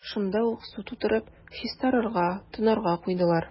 Шунда ук су тутырып, чистарырга – тонарга куйдылар.